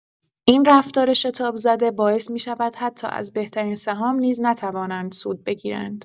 این رفتار شتاب‌زده باعث می‌شود حتی از بهترین سهام نیز نتوانند سود بگیرند.